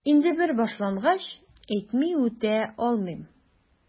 Инде бер башлангач, әйтми үтә алмыйм...